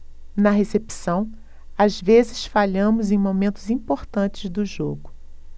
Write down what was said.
na recepção às vezes falhamos em momentos importantes do jogo